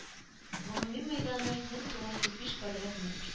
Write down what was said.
Гомуми мәйданы бер мең тугыз йөз биш квадрат метр